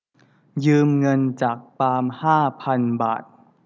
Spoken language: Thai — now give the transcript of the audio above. ยืมเงินจากปาล์มห้าพันบาท